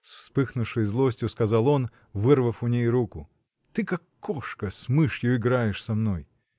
— с вспыхнувшей злостью сказал он, вырвав у ней руку, — ты, как кошка с мышью, играешь со мной!